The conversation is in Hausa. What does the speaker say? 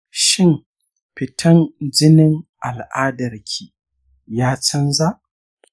shin fitan jinin al'adarki ya chanza?